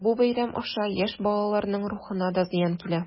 Бу бәйрәм аша яшь балаларның рухына да зыян килә.